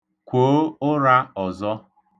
Kwoo ụra ọzọ.